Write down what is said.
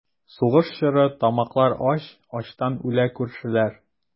Сугыш чоры, тамаклар ач, Ачтан үлә күршеләр.